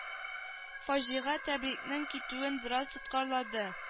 Фаҗига тәбрикнең китүен бераз тоткарлады